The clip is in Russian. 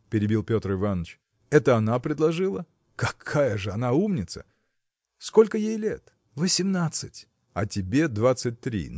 – перебил Петр Иваныч, – это она предложила? Какая же она умница! Сколько ей лет? – Восьмнадцать. – А тебе – двадцать три